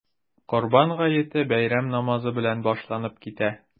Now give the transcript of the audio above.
Корбан гаете бәйрәм намазы белән башланып китә.